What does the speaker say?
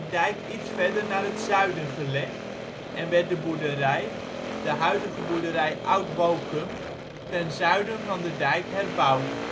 dijk iets verder naar het zuiden gelegd, en werd de boerderij, de huidige boerderij Oud Bokum, ten zuiden van de dijk herbouwd